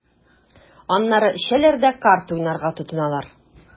Аннары эчәләр дә карта уйнарга тотыналар.